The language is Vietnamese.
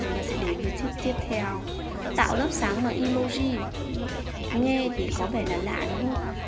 và bây giờ chúng ta sẽ đến với tips tiếp theo tạo lớp sáng bằng emoji nghe thì có vẻ là lạ đúng không